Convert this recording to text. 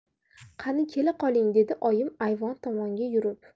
qani kela qoling dedi oyim ayvon tomonga yurib